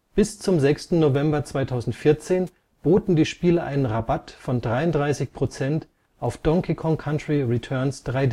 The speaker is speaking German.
Bis zum 6. November 2014 bieten die Spiele einen Rabatt von 33% auf Donkey Kong Country Returns 3D